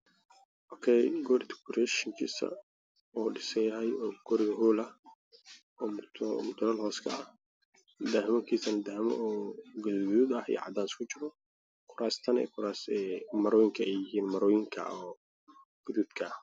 Waa qol hotel oo aad u qurux badan waxaa yaalo miisaas iyo kuraas caddaan ah qolka wuxuu leeyahay muraayad waxaana ka danbeeya guryihii fara badan